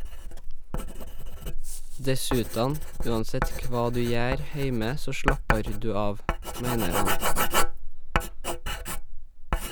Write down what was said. Dessutan, uansett kva du gjer heime så slappar du av , meiner han.